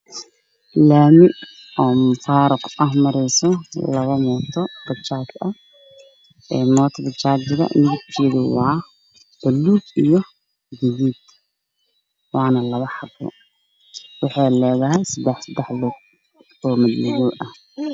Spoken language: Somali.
Meeshaan waad laami waxa maraayo wajaajo guduudan waana suuqa ii muuqatay indhooyin